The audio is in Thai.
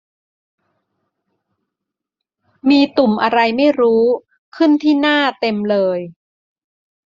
มีตุ่มอะไรไม่รู้ขึ้นที่หน้าเต็มเลย